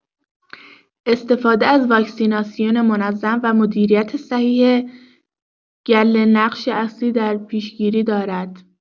استفاده از واکسیناسیون منظم و مدیریت صحیح گله نقش اصلی در پیشگیری دارد.